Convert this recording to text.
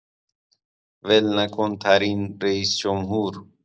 ول‌نکن‌ترین رییس‌جمهور